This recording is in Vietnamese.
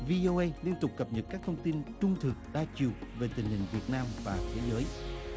vi ô ây liên tục cập nhật các thông tin trung thực đa chiều về tình hình việt nam và thế giới